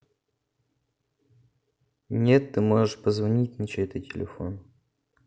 нет ты можешь позвонить на чей то телефон